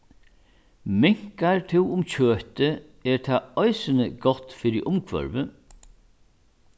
minkar tú um kjøtið er tað eisini gott fyri umhvørvið